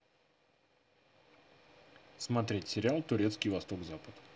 смотреть сериал турецкий восток запад